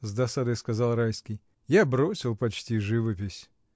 — с досадой сказал Райский, — я бросил почти живопись.